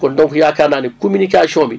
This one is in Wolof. kon donc yaakaar naa ne communication bi